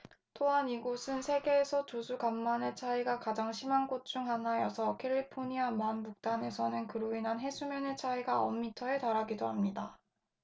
또한 이곳은 세계에서 조수 간만의 차이가 가장 심한 곳 중 하나여서 캘리포니아 만 북단에서는 그로 인한 해수면의 차이가 아홉 미터에 달하기도 합니다